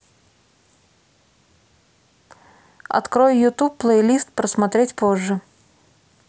открой ютуб плейлист просмотреть позже